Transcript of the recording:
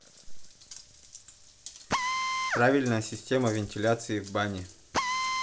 правильная система вентиляции в бане